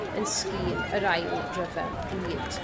yn sgil yr Ail Ryfel Byd.